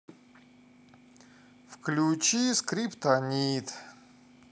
включи скриптонит